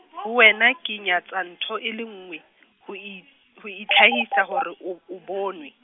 ho wena ke nyatsa ntho e le nngwe, ho i-, ho itlhahisa hore o, o bonwe.